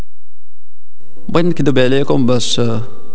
بنك دبي عليكم بس